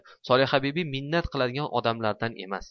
solihabibi minnat qiladigan odamlardan emas